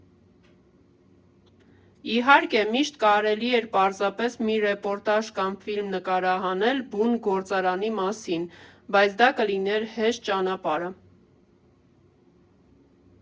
Իհարկե, միշտ կարելի էր պարզապես մի ռեպորտաժ կամ ֆիլմ նկարահանել բուն գործարանի մասին, բայց դա կլիներ հեշտ ճանապարհը։